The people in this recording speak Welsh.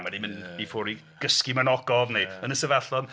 Mae 'di mynd i ffwrdd i gysgu mewn ogof neu Ynys Afallon.